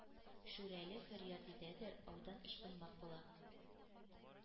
Шүрәле фөрьяд итәдер; аудан ычкынмак була,